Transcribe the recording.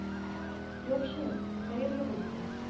Яхшы, хәерле булсын.